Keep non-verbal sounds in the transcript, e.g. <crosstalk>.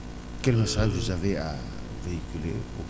<hesitation> quel message vous avez à véhiculer aux